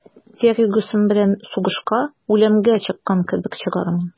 «фергюсон белән сугышка үлемгә чыккан кебек чыгармын»